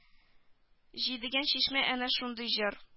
Җидегән чишмә әнә шундый җыр